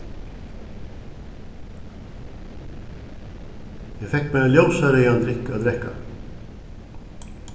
eg fekk mær ein ljósareyðan drykk at drekka